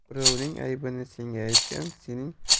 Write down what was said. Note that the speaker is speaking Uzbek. birovning aybini senga aytgan